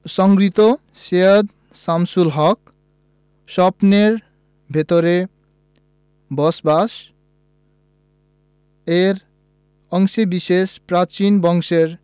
সংগৃহীত সৈয়দ শামসুল হক স্বপ্নের ভেতরে বসবাস এর অংশবিশেষ প্রাচীন বংশের